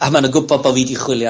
A ma' nw'n gwbo bo' fi 'di chwilio...